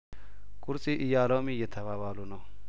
ቁርጺኢያ ሎሚ እየተባባሉ ናቸው